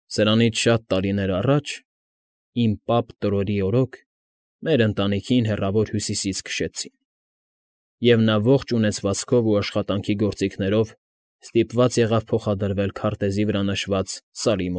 Սրանից շատ տարիներ առաջ, իմ պապ Տրորի օրոք, մեր ընտանիքին Հեռավոր Հյուսիսից քշեցին, և նա ողջ ունեցվածքով ու աշխատանքի գործիքներով ստիպված եղավ փոխադրվել քարտեզի վրա նշված Սարի։